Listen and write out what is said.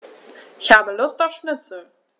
Ich habe Lust auf Schnitzel.